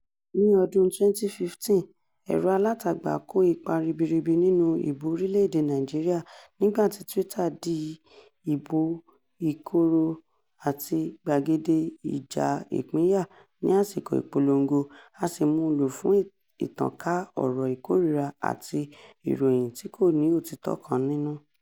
Ní ọdún-un 2015, ẹ̀rọ-alátagbà kó ipa ribiribi nínú ìbò orílẹ̀-èdè Nàìjíríà nígbà tí Twitter di ibi ìkorò àti gbàgede ìjà ìpínyà ní àsìkò ìpolongo, a sì mú u lò fún ìtànká ọ̀rọ̀ ìkórìíra àti ìròyìn tí kò ní òtítọ́ kan nínú.